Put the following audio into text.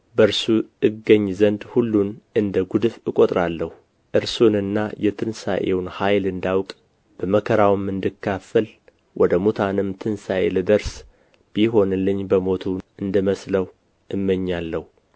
በእርሱ እገኝ ዘንድ ሁሉን እንደ ጕድፍ እቈጥራለሁ እርሱንና የትንሣኤውን ኃይል እንዳውቅ በመከራውም እንድካፈል ወደ ሙታንም ትንሣኤ ልደርስ ቢሆንልኝ በሞቱ እንድመስለው እመኛለሁ